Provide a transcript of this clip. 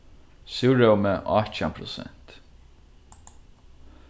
súrrómi átjan prosent